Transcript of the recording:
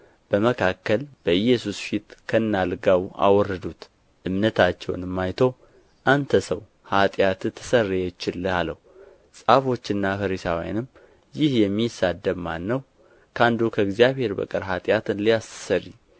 በመካከል በኢየሱስ ፊት ከነአልጋው አወረዱት እምነታቸውንም አይቶ አንተ ሰው ኃጢአትህ ተሰረየችልህ አለው ጻፎችና ፈሪሳውያንም ይህ የሚሳደብ ማን ነው ከአንዱ ከእግዚአብሔር በቀር ኃጢአት ሊያስተሰርይ